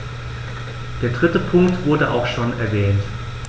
Der dritte Punkt wurde auch schon erwähnt.